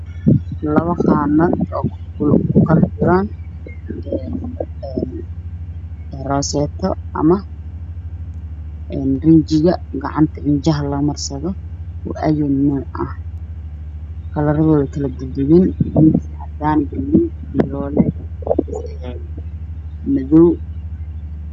Waa labo qaanad waxaa ku kala jiro rooseyto iyo bingiga cidiyaha lamarsado, kalaradoodu kale duwan buluug, cadaan, fiyool iyo madow.